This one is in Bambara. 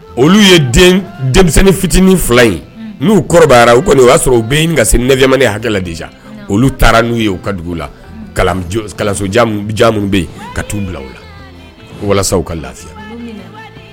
Olu ye denmisɛnnin fitinin fila in n'u kɔrɔbayayara u kɔni o y'a sɔrɔ bɛ yen ka se neyamani ne hakɛladija olu taara n'u ye u ka dugu la bɛ ka tuu bila la walasa ka lafiya